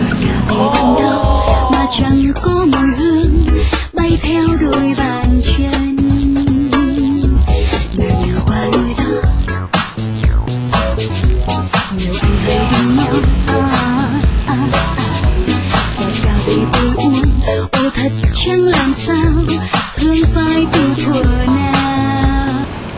ò o giọt cà phê vẫn đó mà chẳng mùi hương bay theo đôi bàn chân nàng đi qua lối đó nhiều anh hay đứng ngó o ò o o ó giọt cà phê tôi uống ôi thật chẳng làm sao hương phai tự thuở nào